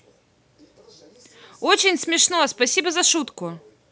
очень смешно спасибо за шутку